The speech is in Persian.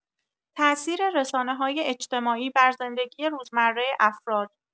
تاثیر رسانه‌های اجتماعی بر زندگی روزمره افراد